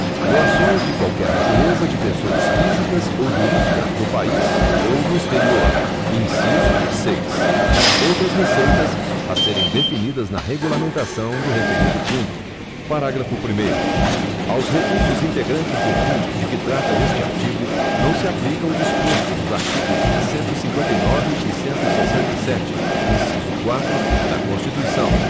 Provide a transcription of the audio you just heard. doações de qualquer natureza de pessoas físicas ou jurídicas do país ou do exterior inciso seis outras receitas a serem definidas na regulamentação do referido fundo parágrafo primeiro aos recursos integrantes do fundo de que trata este artigo não se aplica o disposto nos artigos cento e cinquenta e nove e cento e sessenta e sete inciso quatro da constituição